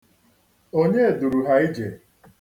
Onye duru ha ije?